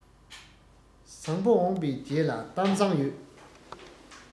བཟང པོ འོངས པའི རྗེས ལ གཏམ བཟང ཡོད